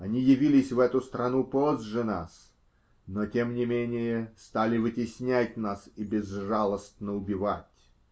Они явились в эту страну позже нас, но, тем не менее, стали вытеснять нас и безжалостно убивать.